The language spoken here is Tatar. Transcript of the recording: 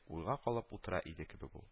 Уйга калып утыра иде кебек ул